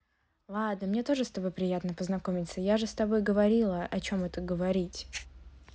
ладно мне тоже с тобой приятно познакомиться я же с тобой говорила о чем это говорить